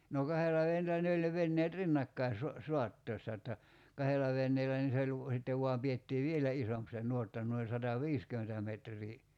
no kahdella veneellä ne oli ne veneet rinnakkain - saattaessa jotta kahdella veneellä niin se oli - sitten vain pidettiin vielä isompi se nuotta noin sataviisikymmentä metriä